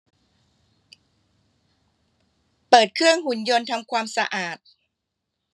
เปิดเครื่องหุ่นยนต์ทำความสะอาด